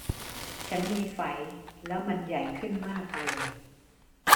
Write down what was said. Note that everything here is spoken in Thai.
ฉันมีไฝแล้วมันใหญ่ขึ้นมากเลย